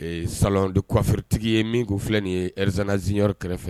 Ɛɛ salon de coiffure tigi ye min' filɛ nin ye elzana junior kɛrɛfɛ